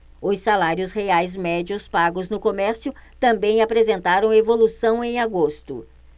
os salários reais médios pagos no comércio também apresentaram evolução em agosto